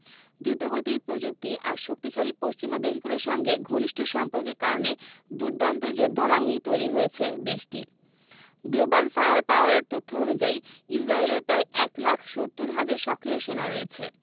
দ্রুতগতির প্রযুক্তি আর শক্তিশালী পশ্চিমা দেশগুলোর সঙ্গে ঘনিষ্ঠ সম্পর্কের কারণে দুর্দান্ত যোদ্ধাবাহিনী তৈরি হয়েছে দেশটির গ্লোবাল ফায়ার পাওয়ারের তথ্য অনুযায়ী ইসরায়েলের প্রায় ১ লাখ ৭০ হাজার সক্রিয় সেনা রয়েছে